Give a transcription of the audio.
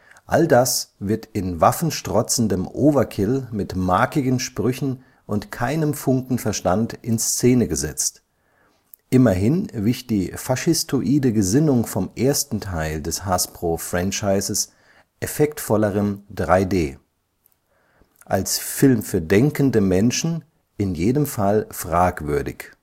All das wird in waffenstrotzendem Overkill mit markigen Sprüchen und keinem Funken Verstand in Szene gesetzt. Immerhin wich die faschistoide Gesinnung vom ersten Teil des Hasbro-Franchises effektvollerem 3D. Als Film für denkende Menschen in jedem Fall fragwürdig